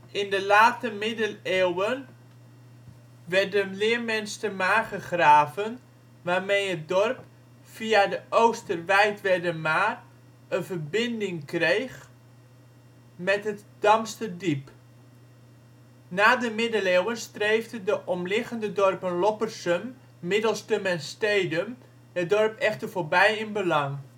In de late middeleeuwen werd de Leermenstermaar gegraven, waarmee het dorp (via de Oosterwijtwerdermaar) een verbinding kreeg met het Damsterdiep. Na de middeleeuwen streefden de omliggende dorpen Loppersum, Middelstum en Stedum het dorp echter voorbij in belang